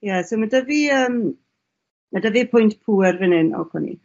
Ie so ma' 'da fi yym ma' 'da fi y pwynt pŵer fan 'yn. O 'co ni.